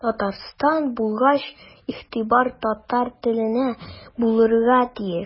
Татарстан булгач игътибар татар теленә булырга тиеш.